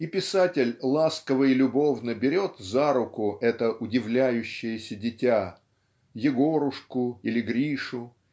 И писатель ласково и любовно берет за руку это удивляющееся дитя Егорушку или Гришу